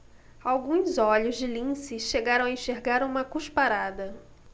alguns olhos de lince chegaram a enxergar uma cusparada